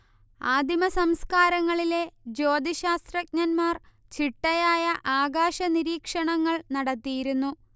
ആദിമസംസ്കാരങ്ങളിലെ ജ്യോതിശാസ്ത്രജ്ഞന്മാർ ചിട്ടയായ ആകാശനിരീക്ഷണങ്ങൾ നടത്തിയിരുന്നു